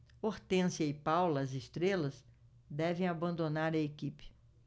hortência e paula as estrelas devem abandonar a equipe